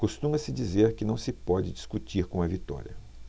costuma-se dizer que não se pode discutir com a vitória